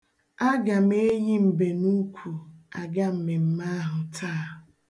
Aga m eyi mbenukwu aga mmemme ahụ taa.